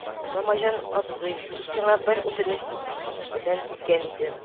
– намаҗан абзый, сиңа бер үтенеч белән килгән идем